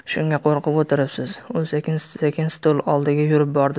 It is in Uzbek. shunga qo'rqib o'tiribsiz u sekin sekin stol oldiga yurib bordi da